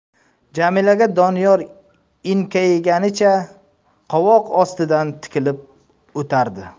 jamilaga doniyor enkayganicha qovoq ostidan tikilib o'tardi